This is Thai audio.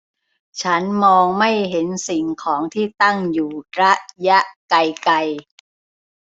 ฉันมองไม่เห็นสิ่งของที่ตั้งอยู่ระยะไกลไกล